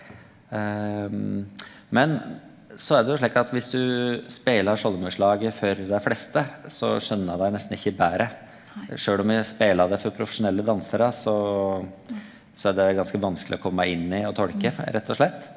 men så er det jo slik at viss du spelar Skjoldmøyslaget for dei fleste så skjønner dei nesten ikkje bæret, sjølv om me spelar det for profesjonelle dansarar så så er det ganske vanskeleg å komme inn i og tolke, rett og slett.